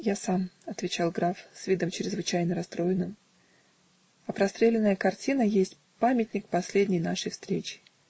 -- Я сам, -- отвечал граф с видом чрезвычайно расстроенным, -- а простреленная картина есть памятник последней нашей встречи.